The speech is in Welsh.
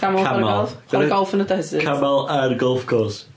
camel... camel... Chwarae golff yn y desert... camel ar golf course.